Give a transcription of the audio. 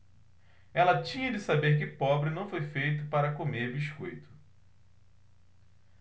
ela tinha de saber que pobre não foi feito para comer biscoito